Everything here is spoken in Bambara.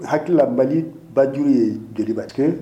N hakili la Mali bajuru ye jeliba k